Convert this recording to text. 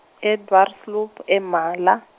e- Dwarsloop, e Mhala.